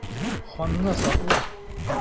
Ханны сакла!